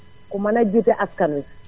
ku mën a jiite askan wi